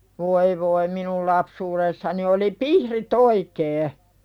voi voi minun lapsuudessani oli pihdit oikein